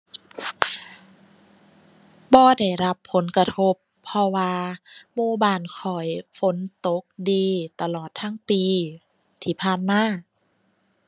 บ่ได้รับผลกระทบ เพราะว่าหมู่บ้านข้อยฝนตกดีตลอดทั้งปีที่ผ่านมา